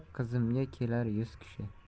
qizimga kelar yuz kishi